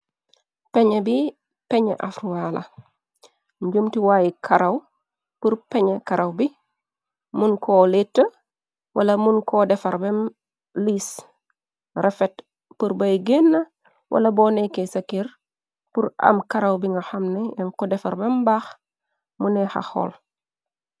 Peñi bi peñi afruwaala njomti waaye karaw pur peñ karaw bi mun ko leta wala mun ko defar bem liis refet pur bay genn wala boo nekke sa kir pur am karaw bi nga xamne n ko defar mem mbaax muna xaxool.